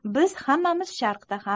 biz hammamiz sharqda ham